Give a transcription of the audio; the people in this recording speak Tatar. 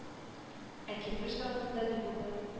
Ә кирпеч заводында ни булды